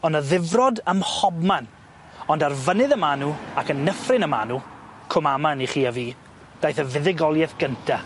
O' 'ny ddifrod ym mhobman, ond ar fynydd y Manw ac yn nyffryn y Manw, Cwmaman i chi a fi, ddaeth y fuddugoliaeth gynta.